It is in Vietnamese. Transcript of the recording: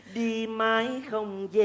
đi mãi không dề